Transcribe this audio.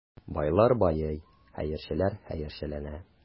Байлар байый, хәерчеләр хәерчеләнә.